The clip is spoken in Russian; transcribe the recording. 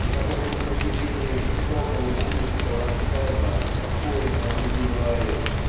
и который на протяжении жестокого бунинского рассказа спокойно убивает